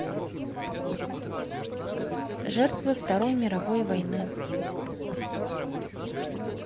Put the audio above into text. жертвы второй мировой войны